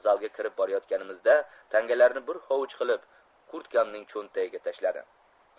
zalga kirib borayotganimizda tangalarni bir hovuch qilib kurtkamning cho'ntagiga tashladi